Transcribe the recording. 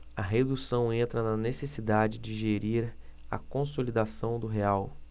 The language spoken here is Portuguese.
a redução entra na necessidade de gerir a consolidação do real